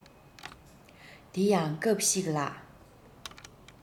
དེ ཡང སྐབས ཤིག ལ